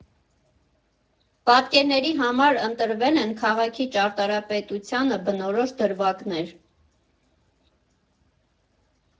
Պատկերների համար ընտրվել են քաղաքի ճարտարապետությանը բնորոշ դրվագներ.